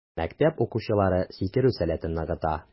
Мәктәп укучылары сикерү сәләтен ныгыта.